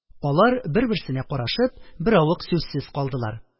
Алар, бер-берсенә карашып, беравык сүзсез калдылар